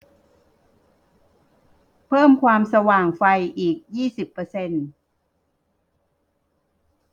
เพิ่มความสว่างไฟอีกยี่สิบเปอร์เซ็นต์